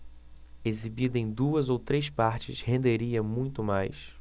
exibida em duas ou três partes renderia muito mais